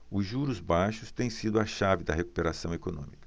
os juros baixos têm sido a chave da recuperação econômica